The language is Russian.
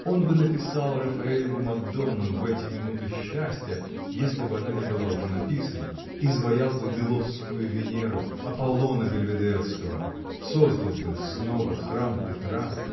Он бы написал Рафаэлеву Мадонну в эти минуты счастья, если б она не была уже написана, изваял бы Милосскую Венеру, Аполлона Бельведерского, создал бы снова храм Петра!